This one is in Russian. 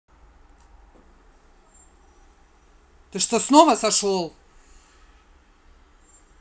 ты что снова сошел